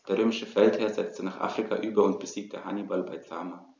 Der römische Feldherr setzte nach Afrika über und besiegte Hannibal bei Zama.